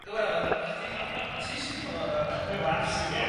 Wel chdi ti sy'n cael y y y laffs i gyd.